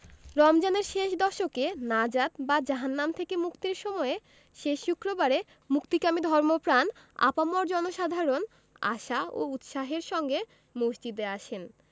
রমজানের শেষ দশকে নাজাত বা জাহান্নাম থেকে মুক্তির সময়ে শেষ শুক্রবারে মুক্তিকামী ধর্মপ্রাণ আপামর জনসাধারণ আশা ও উৎসাহের সঙ্গে মসজিদে আসেন